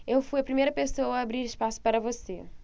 eu fui a primeira pessoa a abrir espaço para você